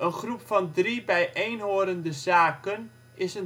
groep van drie bijeenhorende zaken is